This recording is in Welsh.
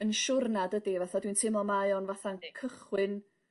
yn siwrna dydi fatha dwi'n teimlo mae o'n fatha'n cychwyn